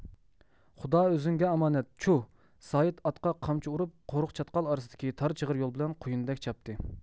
خۇدا ئۆزۈڭگە ئامانەت چۇھ سايىت ئاتقا قامچا ئۇرۇپ قورۇق چاتقال ئارىسىدىكى تار چىغىر يول بىلەن قۇيۇندەك چاپتى